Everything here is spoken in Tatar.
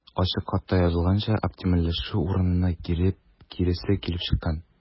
Ачык хатта язылганча, оптимальләшү урынына киресе килеп чыккан.